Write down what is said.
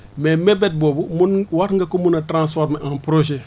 mais mébét boobu mun war nga ko mun a transformer en projet